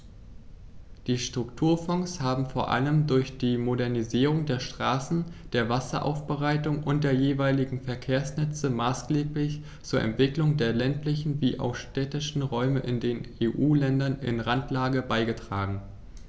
Die Strukturfonds haben vor allem durch die Modernisierung der Straßen, der Wasseraufbereitung und der jeweiligen Verkehrsnetze maßgeblich zur Entwicklung der ländlichen wie auch städtischen Räume in den EU-Ländern in Randlage beigetragen.